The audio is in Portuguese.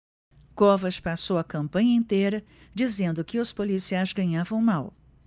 covas passou a campanha inteira dizendo que os policiais ganhavam mal